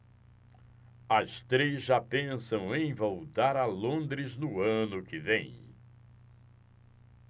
as três já pensam em voltar a londres no ano que vem